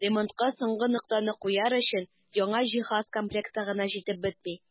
Ремонтка соңгы ноктаны куяр өчен яңа җиһаз комплекты гына җитеп бетми.